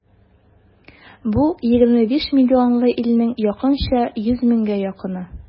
Бу егерме биш миллионлы илнең якынча йөз меңгә якыны.